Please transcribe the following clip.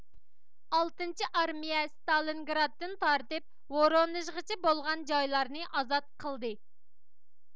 ئالتىنچى ئارمىيە ستالىنگرادتىن تارتىپ ۋورونېژغىچە بولغان جايلارنى ئازات قىلدى